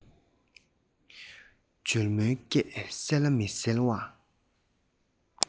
འཇོལ མོའི སྐད གསལ ལ མི གསལ བ